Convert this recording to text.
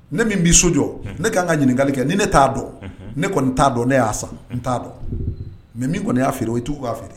Ne min'i so jɔ ne k' kan ka ɲininkakali kɛ ni ne t'a dɔn ne kɔni t'a dɔn ne y'a san n t'a dɔn mɛ min kɔni y'a f o i t' b'a